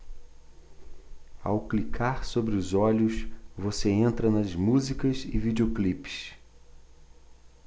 ao clicar sobre os olhos você entra nas músicas e videoclipes